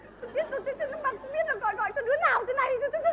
đưa nào đứa này cơ